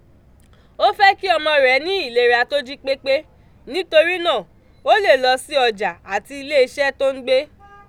Ó fẹ́ kí ọmọ rẹ̀ ní ìlera tó jí pépé, nítorí náà, ó lè lọ sí ọjà àti ilé iṣẹ́ tó ń gbé.